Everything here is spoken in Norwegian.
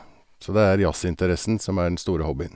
Så det er jazzinteressen som er den store hobbyen.